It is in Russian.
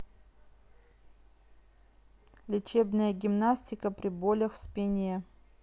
лечебная гимнастика при болях в спине